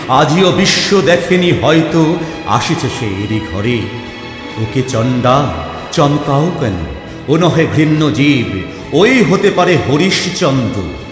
আজিও বিশ্ব দেখনি হয়ত আসিছে সে এরই ঘরে ও কে চন্ডাল চম্কাও কেন নহে ও ঘৃণ্য জীব ওই হতে পারে হরিশচন্দ্র